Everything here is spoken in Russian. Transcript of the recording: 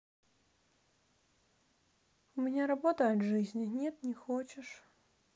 у меня работа от жизни нет не хочешь